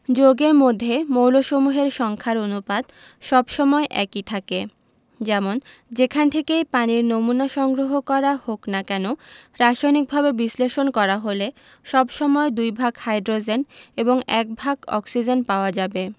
যৌগের মধ্যে মৌলসমূহের সংখ্যার অনুপাত সব সময় একই থাকে যেমন যেখান থেকেই পানির নমুনা সংগ্রহ করা হোক না কেন রাসায়নিকভাবে বিশ্লেষণ করা হলে সব সময় দুই ভাগ হাইড্রোজেন এবং এক ভাগ অক্সিজেন পাওয়া যাবে